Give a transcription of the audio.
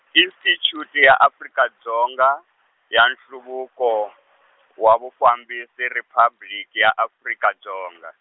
Insticuti ya Afrika Dzonga, ya Nhluvuko , wa Vufambisi Riphabliki ya Afrika Dzonga.